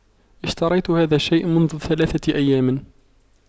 اشتريت هذا الشيء منذ ثلاثة أيام